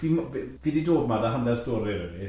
Fi'n m- fi fi di dod ma fo hanner stori rili.